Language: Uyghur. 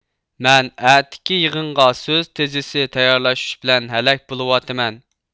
مەن ئەتىكى يىغىنغا سۆز تېزىسى تەييارلاش بىلەن ھەلەك بولۇۋاتىمەن